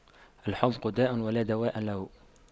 الحُمْقُ داء ولا دواء له